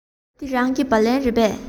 འདི རང གི སྦ ལན རེད པས